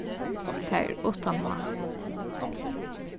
tað er uttan h